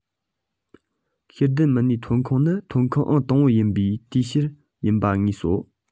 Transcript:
ཤེས ལྡན མི སྣའི ཐོན ཁུངས ནི ཐོན ཁུངས ཨང དང པོ ཡིན པའི འདུ ཤེས ཡིད ལ ངེས པ